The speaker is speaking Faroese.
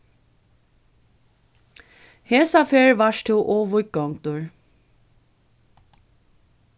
hesa ferð vart tú ov víðgongdur